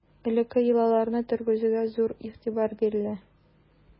Элекке йолаларны тергезүгә зур игътибар бирелә.